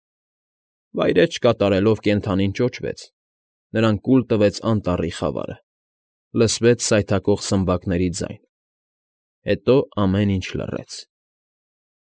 Վայէջք կատարելով՝ կենդանին ճոճվեց, նրան կուլ տվեց անտառի խավարը, լսվեց սայթաքող սմբակների ձայն, հետո ամեն ինչ լռեց։